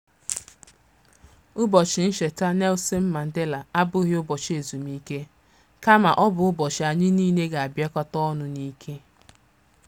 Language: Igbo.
Ụbọchị ncheta Nelson Mandela abụghị ụbọchị ezumike, ka ma ọ bụ ụbọchị anyị niile ga-abịakọta ọnụ n'ike.